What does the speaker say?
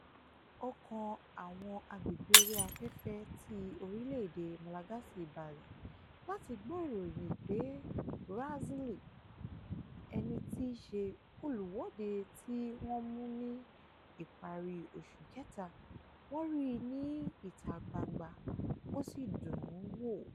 Ọ̀kan àwọn agbègbè orí afẹ́fẹ́ ti orílẹ̀ èdè Malagasy balẹ̀ láti gbọ́ ìròyìn pé Razily, ẹni tí í ṣe olùwọ́de tí wọ́n mú ní ìparí oṣù Kẹta, wọ́n ríi ní ìta gbangba (fr) ó sì dùn ún wò.